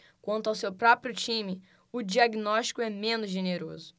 quanto ao seu próprio time o diagnóstico é menos generoso